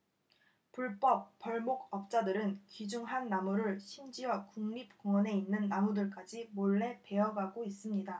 불법 벌목업자들은 귀중한 나무들 심지어 국립공원에 있는 나무들까지 몰래 베어 가고 있습니다